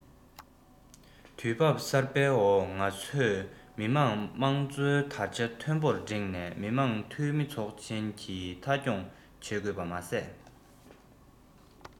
དུས བབ གསར པའི འོག ང ཚོས མི དམངས དམངས གཙོའི དར ཆ མཐོན པོར བསྒྲེངས ནས མི དམངས འཐུས མི ཚོགས ཆེན གྱི མཐའ འཁྱོངས བྱེད དགོས པ མ ཟད